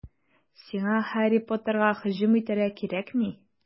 Сиңа Һарри Поттерга һөҗүм итәргә кирәкми.